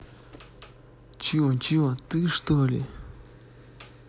че че ты что ли